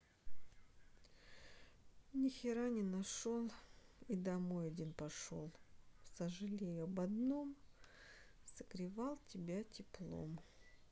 нихера не нашел и домой один пошел сожалею об одном согревал тебя теплом